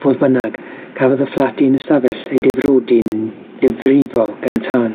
Fodd bynnag, cafodd y fflat un ystafell eu difrodi'n ddifrifol gan y tân.